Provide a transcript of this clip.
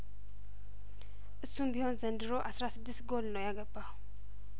እሱም ቢሆን ዘንድሮ አስራ ስድስት ጐል ነው ያገባው